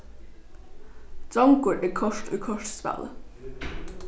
drongur er kort í kortspæli